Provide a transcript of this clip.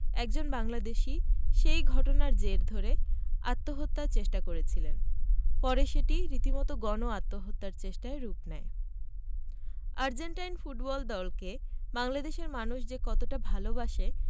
একজন বাংলাদেশি সে ঘটনার জের ধরে আত্মহত্যার চেষ্টা করেছিলেন পরে সেটি রীতিমতো গণ আত্মহত্যার চেষ্টায় রূপ নেয় আর্জেন্টাইন ফুটবল দলকে বাংলাদেশের মানুষ যে কতটা ভালোবাসে